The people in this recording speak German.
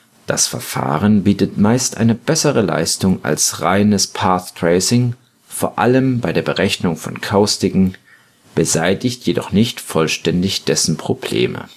Das Verfahren bietet meist eine bessere Leistung als reines Path Tracing, vor allem bei der Berechnung von Kaustiken, beseitigt jedoch nicht vollständig dessen Probleme